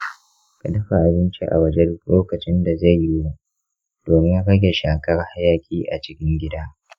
ka dafa abinci a waje duk lokacin da zai yiwu domin rage shakar hayaƙi a cikin gida.